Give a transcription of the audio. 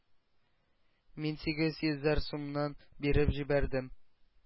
Мин сигез йөзәр сумнан биреп җибәрдем,